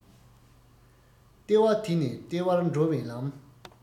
ལྟེ བ དེ ནས ལྟེ བར འགྲོ བའི ལམ